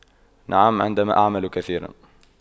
نعم عندما اعمل كثيرا